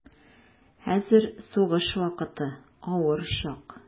Хәзер сугыш вакыты, авыр чак.